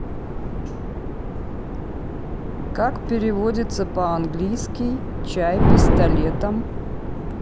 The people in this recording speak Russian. как переводится по английский чай пистолетом